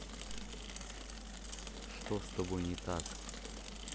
что с тобой не так